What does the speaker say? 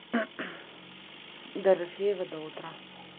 дорофеева до утра